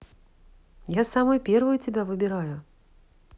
я самую первую тебя выбираю